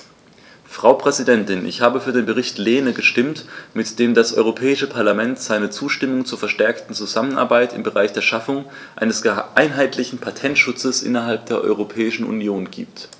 Frau Präsidentin, ich habe für den Bericht Lehne gestimmt, mit dem das Europäische Parlament seine Zustimmung zur verstärkten Zusammenarbeit im Bereich der Schaffung eines einheitlichen Patentschutzes innerhalb der Europäischen Union gibt.